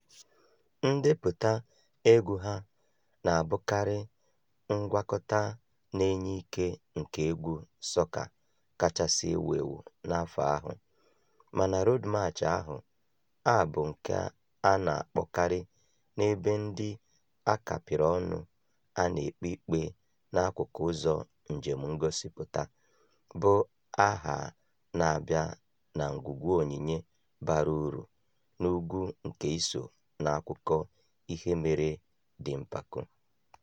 Ndepụta egwu ha na-abụkarị ngwakọta na-enye ike nke egwu sọka kachasị ewu ewu n'afọ ahụ, mana Road March ahụ — abụ nke a na-akpọkarị n'ebe ndị a kapịrị ọnụ a na-ekpe ikpe n'akụkụ ụzọ njem ngosipụta — bụ aha na-abịa na ngwugwu onyinye bara uru na ùgwù nke iso n'akụkọ ihe mere dị mpako.